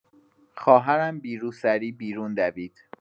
خواهرم بی روسری بیرون دوید